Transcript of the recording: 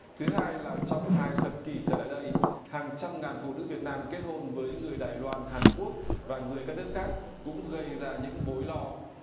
thứ hai là trong hai thập kỷ trở lại đây hàng trăm ngàn phụ nữ việt nam kết hôn với người đài loan hàn quốc và người các nước khác cũng gây ra những mối lo